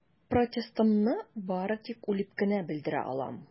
Протестымны бары тик үлеп кенә белдерә алам.